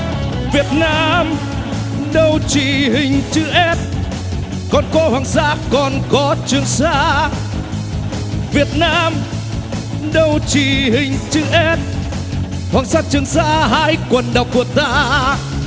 việt nam đâu chỉ hình chữ ét còn có hoàng sa còn có trường sa việt nam đâu chỉ hình chữ ét hoàng sa trường sa hai quần đảo của ta